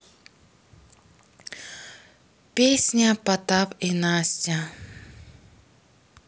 песня потап и настя